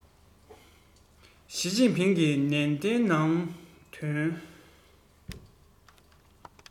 ཞིས ཅིན ཕིང གིས ནན བཤད གནང དོན